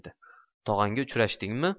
tog'angga uchrashdingmi